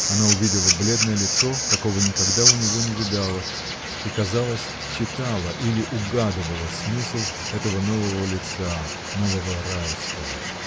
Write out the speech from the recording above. Она увидела бледное лицо, какого никогда у него не видала, и, казалось, читала или угадывала смысл этого нового лица, нового Райского.